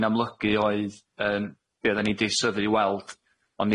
i'n amlygu oedd yym be' oddan ni 'di synnu i weld ond